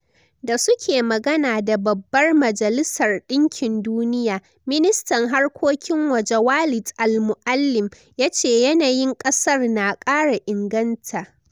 Da suke magana da Babbar Majalisar Dinki Duniya, ministan harkokin waje Walid al-Moualem yace yanayin kasar na kara inganta.